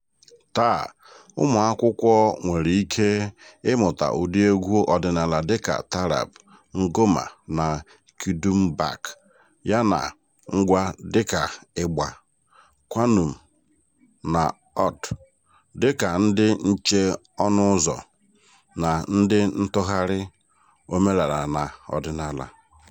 Taa, ụmụakwụkwọ nwere ike ịmụta ụdị egwu ọdịnaala dịka taarab, ngoma na kidumbak, yana ngwa dịka ịgbà, qanun na ọọd, dịka ndị nche ọnụ ụzọ - na ndị ntụgharị - omenaala na ọdịnaala.